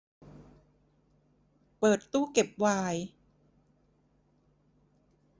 เปิดตู้เก็บไวน์